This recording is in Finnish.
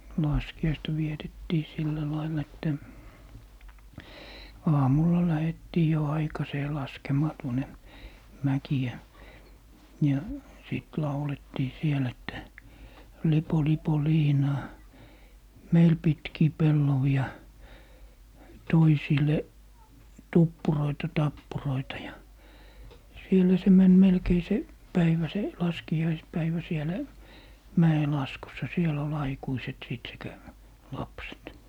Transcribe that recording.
laskiaista vietettiin sillä lailla että aamulla lähdettiin jo aikaiseen laskemaan tuonne mäkeä ja sitten laulettiin siellä että lipo lipo liinaa meille pitkiä pellavia toisille tuppuroita tappuroita ja siellä se meni melkein se päivä se laskiaispäivä siellä mäenlaskussa siellä oli aikuiset sitten sekä lapset